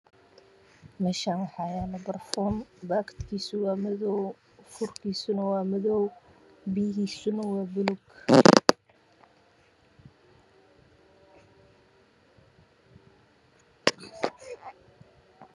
Meeshaan waxaa yaala barfuun baakatkiisu waa madow biyihiisuna waa baluug